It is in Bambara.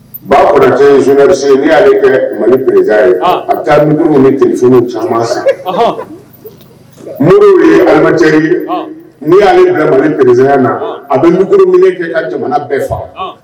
Ba kɔnɔ cɛ zsi y'aale kɛ mali perezsan ye a bɛ taa morikuru ni ps caman san mori ye adamacɛ ye y'a perezsɛnya na a bɛkururo minɛ kɛ ka jamana bɛɛ faga